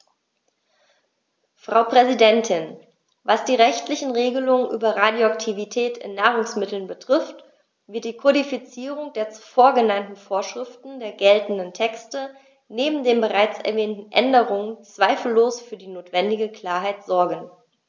Frau Präsidentin, was die rechtlichen Regelungen über Radioaktivität in Nahrungsmitteln betrifft, wird die Kodifizierung der zuvor genannten Vorschriften der geltenden Texte neben den bereits erwähnten Änderungen zweifellos für die notwendige Klarheit sorgen.